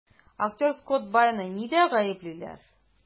Актер Скотт Байоны нидә гаеплиләр?